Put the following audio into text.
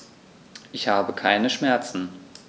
Ich habe keine Schmerzen.